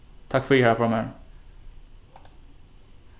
takk fyri harra formaður